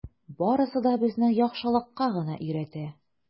Барысы да безне яхшылыкка гына өйрәтә.